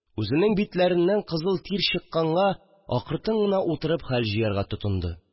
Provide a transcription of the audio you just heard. Үзенең битләреннән кызыл тир чыкканга, акыртын гына утырып хәл җыярга тотынды